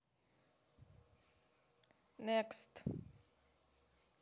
next